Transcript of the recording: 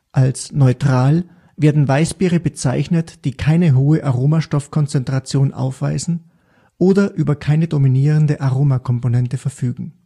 Als neutral werden Weißbiere bezeichnet, die keine hohe Aromastoffkonzentration aufweisen oder über keine dominierende Aromakomponente verfügen